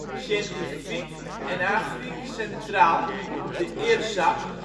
Scientifique en Afrique Centrale (IRSAC